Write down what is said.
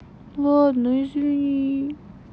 ладно извини